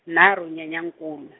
nharhu Nyenyankulu.